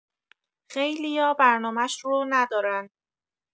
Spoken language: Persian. خیلیا برنامش رو ندارن